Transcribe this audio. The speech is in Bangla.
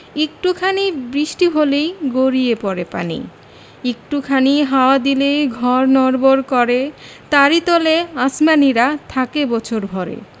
একটু খানি বৃষ্টি হলেই গড়িয়ে পড়ে পানি একটু খানি হাওয়া দিলেই ঘর নড়বড় করে তারি তলে আসমানীরা থাকে বছর ভরে